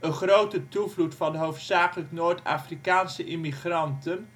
grote toevloed van hoofdzakelijk Noord-Afrikaanse immigranten